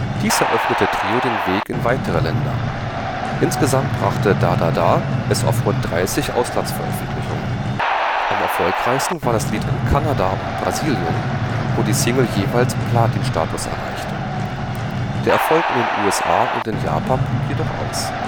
Dies eröffnete Trio den Weg in weitere Länder; insgesamt brachte „ Da da da “es auf rund 30 Auslandsveröffentlichungen. Am erfolgreichsten war das Lied in Kanada und Brasilien, wo die Single jeweils Platin-Status erreichte. Der Erfolg in den USA und in Japan blieb jedoch aus